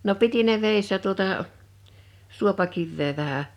no piti ne vedessä tuota suopakiveä vähän